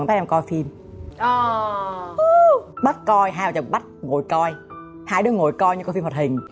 bắt em coi phim à hú bắt coi hai vợ chồng bắt ngồi coi hai đứa ngồi coi như coi phim hoạt hình